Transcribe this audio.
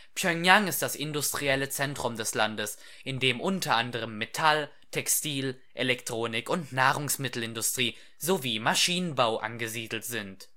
Pjöngjang ist das industrielle Zentrum des Landes, in dem unter anderem Metall -, Textil -, Elektronik - und Nahrungsmittelindustrie sowie Maschinenbau angesiedelt sind